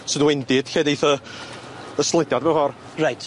Sy'n wendid lle neith yy y slediad mewn ffor. Reit.